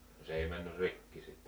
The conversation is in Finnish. no se ei mennyt rikki sitten